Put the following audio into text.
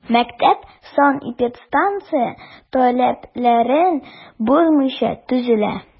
Мәктәп санэпидстанция таләпләрен бозмыйча төзелә.